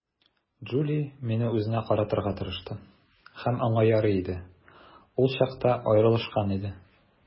Джули мине үзенә каратырга тырышты, һәм аңа ярый иде - ул чакта аерылышкан иде.